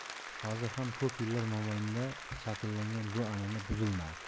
hozir ham ko'p yillar mobaynida shakllangan bu an'ana buzilmadi